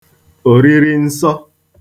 Òririnsọ